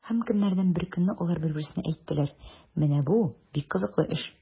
Һәм көннәрдән бер көнне алар бер-берсенә әйттеләр: “Менә бу бик кызыклы эш!”